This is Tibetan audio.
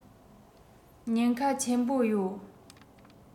ཉེན ཁ ཆེན པོ ཡོད